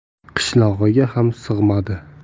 qishlog'iga ham sig'madi